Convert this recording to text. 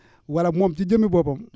wala moom ci jëmmi boppam